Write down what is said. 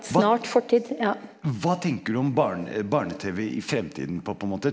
hva hva tenker du om barne-tv i fremtiden på på en måte?